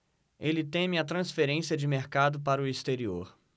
ele teme a transferência de mercado para o exterior